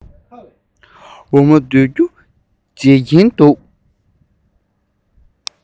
འོ མ ལྡུད རྒྱུ རྗེད ཀྱིན འདུག